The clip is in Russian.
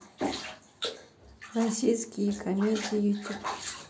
российские комедии ютуб